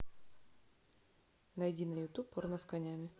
найди на ютуб порно с конями